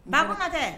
Ba kunna tɛ